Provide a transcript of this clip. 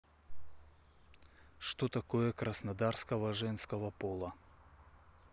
что такое краснодарского женского пола